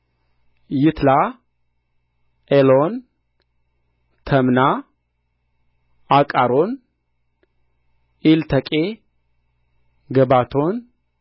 ይትላ ኤሎን ተምና አቃሮን ኢልተቄ ገባቶን